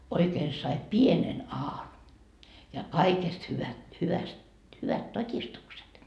oikein sai pienen aan ja kaikesta hyvä hyvästi hyvät todistukset